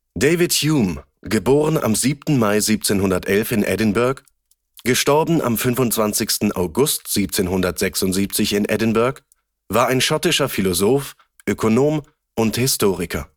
David Hume (* 26. April/7. Mai 1711 in Edinburgh; † 25. August 1776 in Edinburgh) war ein schottischer Philosoph, Ökonom und Historiker